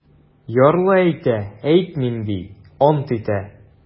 Ярлы әйтә: - әйтмим, - ди, ант итә.